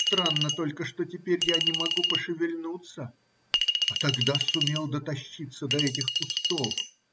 Странно только, что теперь я не могу пошевельнуться, а тогда сумел дотащиться до этих кустов.